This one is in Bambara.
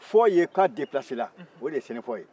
fɔ ye ka depilasera o de ye sɛnɛfɔ ye